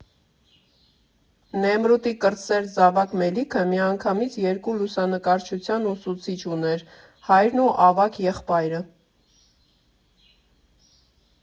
Նեմրութի կրտսեր զավակ Մելիքը միանգամից երկու լուսանկարչության ուսուցիչ ուներ՝ հայրն ու ավագ եղբայրը։